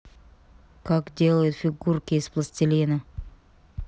как делают фигурки из пластилина